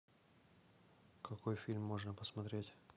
какой фильм можно посмотреть